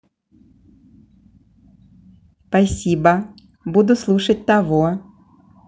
спасибо буду слушать того